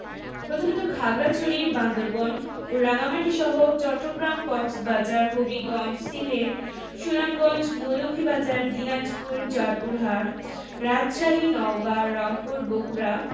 প্রধানত খাগড়াছড়ি বান্দরবান ও রাঙ্গামাটিসহ চট্টগ্রাম কক্সবাজার হবিগঞ্জ সিলেট সুনামগঞ্জ মৌলভীবাজার দিনাজপুর জয়পুরহাট রাজশাহী নওগাঁ রংপুর বগুড়া